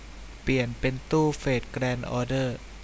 เปลี่ยนเป็นตู้เฟทแกรนด์ออเดอร์